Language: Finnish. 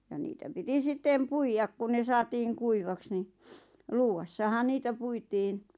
ja niitä piti sitten puida kun ne saatiin kuivaksi niin luuvassahan niitä puitiin